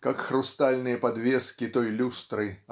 как хрустальные подвески той люстры